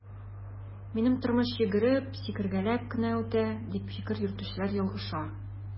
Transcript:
Минем тормыш йөгереп, сикергәләп кенә үтә, дип фикер йөртүчеләр ялгыша.